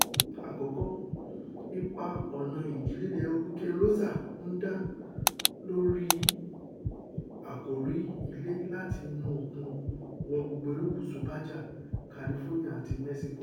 Àkọ́kọ́, ipa ọ̀nà Ìjì-líle Hurricane Rosa ńdarí lọsí àkọ́rí ilẹ láti inú òkun wọ gbogbo erékùsù Baja California ti Mẹ́síkò.